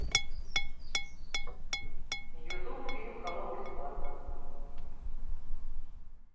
ютуб фильм холоп бесплатно